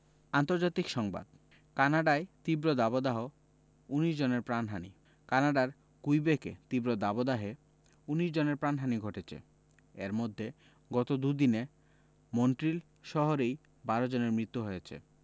আন্তর্জাতিক সংবাদ কানাডায় তীব্র দাবদাহ ১৯ জনের প্রাণহানি কানাডার কুইবেকে তীব্র দাবদাহে ১৯ জনের প্রাণহানি ঘটেছে এর মধ্যে গত দুদিনে মন্ট্রিল শহরেই ১২ জনের মৃত্যু হয়েছে